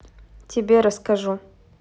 тебе расскажу